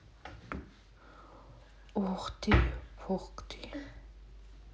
ух ты пух ты